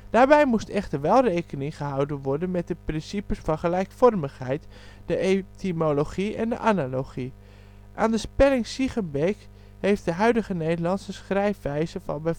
Daarbij moest echter wel rekening gehouden worden met de principes van de gelijkvormigheid, de etymologie en de analogie. Aan de spelling-Siegenbeek heeft het huidige Nederlands de schrijfwijze van